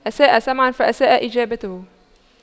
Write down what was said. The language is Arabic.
أساء سمعاً فأساء إجابة